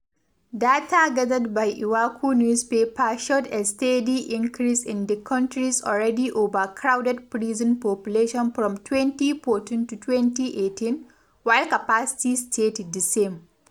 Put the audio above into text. Data gathered by Iwacu newspaper showed a steady increase in the country's already overcrowded prison population from 2014 to 2018, while capacity stayed the same.